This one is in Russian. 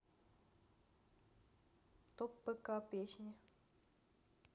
топ пк песни